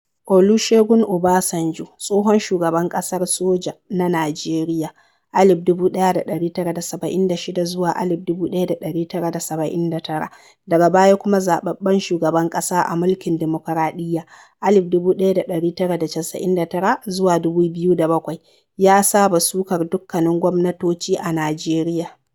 Olusegun Obasanjo, tsohon shugaban ƙasar soja na Najeriya (1976-1979) daga baya kuma zaɓaɓɓen shugaban ƙasa a mulkin dimukuraɗiyya (1999-2007) ya saba sukar dukkanin gwamnatoci a Najeriya.